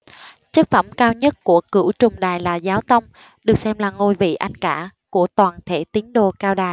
chức phẩm cao cấp nhất của cửu trùng đài là giáo tông được xem là ngôi vị anh cả của toàn thể tín đồ cao đài